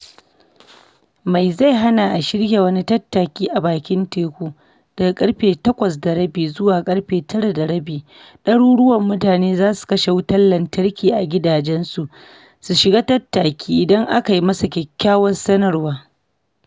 Me zai hana a shirya wani tattaki a bakin teku daga ƙarfe 8:30 zuwa 9:30… ɗaruruwan mutane za su kashe wutar lantarki a gidajensu su shiga tattakin idan aka yi masa kyakkyawar sanarwa .